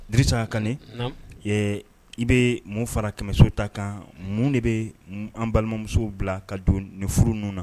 Dirisa kane i bɛ mun fara Kɛmɛso ta kan mun de bɛ an balimamusow bila ka don ni furu ninnu na.